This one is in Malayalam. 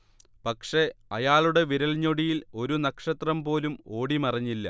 പക്ഷേ, അയാളുടെ വിരൽഞൊടിയിൽ ഒരു നക്ഷത്രംപോലും ഓടിമറഞ്ഞില്ല